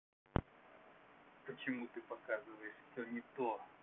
почему ты показываешь все не то